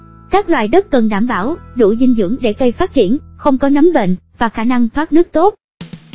các loại đất cần đảm bảo đủ dinh dưỡng để cây phát triển không có nấm bệnh và khả năng thoát nước tốt